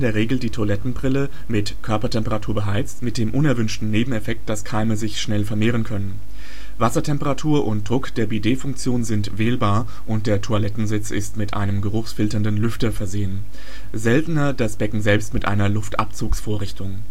Regel die Toilettenbrille auf Körpertemperatur beheizt (mit dem unerwünschten Nebeneffekt, dass Keime sich schnell vermehren können), Wassertemperatur und - druck der Bidetfunktion sind wählbar und der Toilettensitz ist mit einem geruchsfilternden Lüfter versehen; seltener das Becken selbst mit einer Luftabzugsvorrichtung